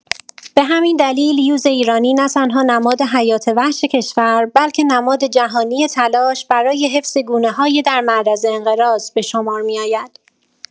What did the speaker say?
به همین دلیل یوز ایرانی نه‌تنها نماد حیات‌وحش کشور، بلکه نماد جهانی تلاش برای حفظ گونه‌های در معرض انقراض به شمار می‌آید.